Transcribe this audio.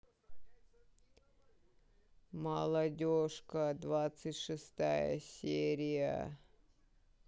молодежка двадцать шестая серия